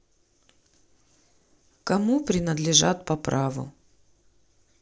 кому принадлежат по праву